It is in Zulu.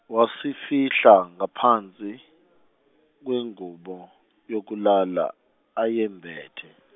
wasifihla ngaphansi, kwengubo, yokulala ayembhethe.